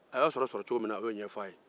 a y'a sɔrɔcogo min na a y'o ɲɛfɔ a ye